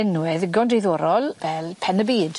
Enwe ddigon diddorol fel Pen y Byd.